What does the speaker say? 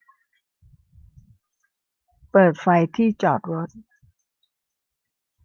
เปิดไฟที่จอดรถ